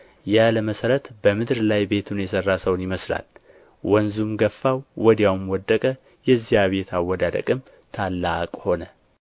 ያለ መሠረት በምድር ላይ ቤቱን የሠራ ሰውን ይመስላል ወንዙም ገፋው ወዲያውም ወደቀ የዚያ ቤት አወዳደቅም ታላቅ ሆነ